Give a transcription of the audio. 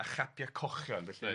a chapia cochion felly